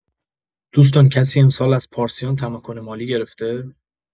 دوستان کسی امسال از پارسیان تمکن مالی گرفته؟